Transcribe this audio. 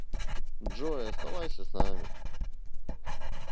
джой оставайся с нами